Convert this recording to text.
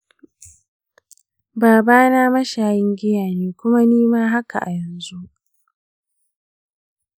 babana mashayin giya ne kuma nima haka a yanzu.